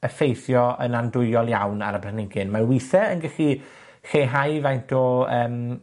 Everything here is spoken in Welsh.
effeithio yn andwyol iawn ar y planhigyn. Mae withie yn gellu lleihau faint o yym,